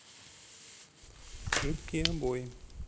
жидкие обои